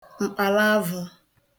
m̀kpàlaavụ̄